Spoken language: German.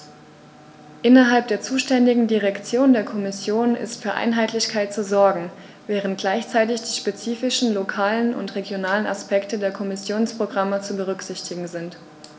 Innerhalb der zuständigen Direktion der Kommission ist für Einheitlichkeit zu sorgen, während gleichzeitig die spezifischen lokalen und regionalen Aspekte der Kommissionsprogramme zu berücksichtigen sind.